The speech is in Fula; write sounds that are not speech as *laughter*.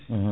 *hesitation* *hesitation*